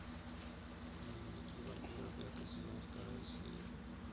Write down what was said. дневники вампира пятый сезон вторая серия